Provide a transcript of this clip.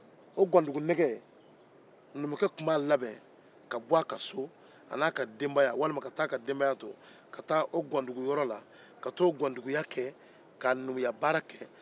o gɔndugunɛgɛ numukɛ tun bɛ a labɛn ka bɔ a ka so a n'a ka denbaya walima ka taa ka denbaya to ka taa o gɔnduguyɔrɔ la ka taa gɔnduguya kɛ ka numuya baara kɛ